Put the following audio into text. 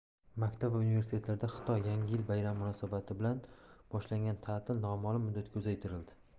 maktab va universitetlarda xitoy yangi yil bayrami munosabati bilan boshlangan ta'til noma'lum muddatga uzaytirildi